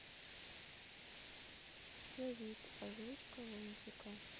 джавид озвучка лунтика